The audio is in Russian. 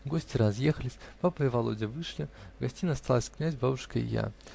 Гости разъехались, папа и Володя вышли; в гостиной остались князь, бабушка и я.